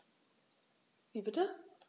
Wie bitte?